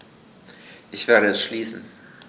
Ich werde es schließen.